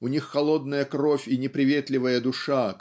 у них холодная кровь и неприветливая душа